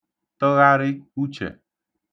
tə̣gharị uchẹ̀